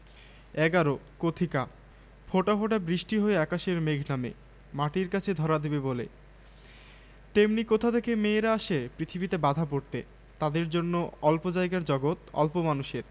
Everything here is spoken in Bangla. গাছের হতাশ্বাস পাতাগুলো শুকিয়ে হলদে হয়ে গেছে এমন সময় হঠাৎ কাল আলুথালু পাগলা মেঘ আকাশের কোণে কোণে তাঁবু ফেললো সূর্য্যাস্তের একটা রক্ত রশ্মি খাপের ভেতর থেকে তলোয়ারের মত বেরিয়ে এল